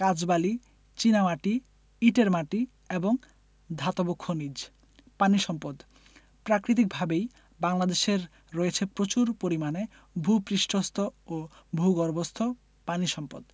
কাঁচবালি চীনামাটি ইটের মাটি এবং ধাতব খনিজ পানি সম্পদঃ প্রাকৃতিকভাবেই বাংলাদেশের রয়েছে প্রচুর পরিমাণে ভূ পৃষ্ঠস্থ ও ভূগর্ভস্থ পানি সম্পদ